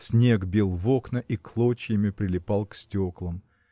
Снег бил в окна и клочьями прилипал к стеклам.